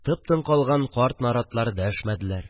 Тып-тын калган карт наратлар дәшмәделәр